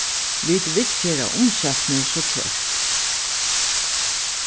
vit viðgera umsóknir so hvørt